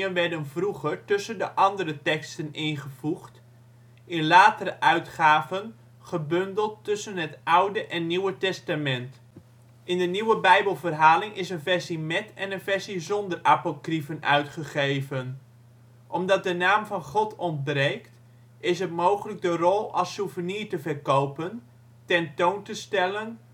werden vroeger tussen de andere teksten ingevoegd, in latere uitgaven gebundeld tussen het Oude en Nieuwe Testament. In de Nieuwe Bijbelvertaling is een versie met én een versie zonder apocriefen uitgegeven. Omdat de naam van God ontbreekt, is het mogelijk de rol als souvenir te verkopen, ten toon te stellen